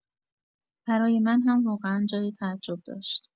برای من هم واقعا جای تعجب داشت.